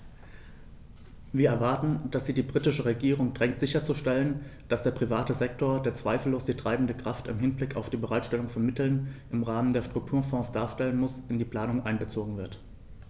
Wir erwarten, dass sie die britische Regierung drängt sicherzustellen, dass der private Sektor, der zweifellos die treibende Kraft im Hinblick auf die Bereitstellung von Mitteln im Rahmen der Strukturfonds darstellen muss, in die Planung einbezogen wird.